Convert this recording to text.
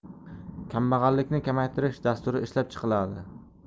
kambag'allikni kamaytirish dasturi ishlab chiqiladi